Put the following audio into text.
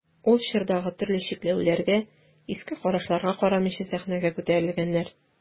Ул чордагы төрле чикләүләргә, иске карашларга карамыйча сәхнәгә күтәрелгәннәр.